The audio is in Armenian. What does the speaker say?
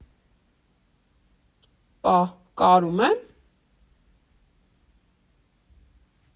Պա կարում ե՞մ։